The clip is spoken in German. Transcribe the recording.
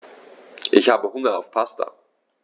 Ich habe Hunger auf Pasta.